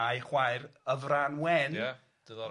A'i chwaer y frân wen... Ia, diddorol.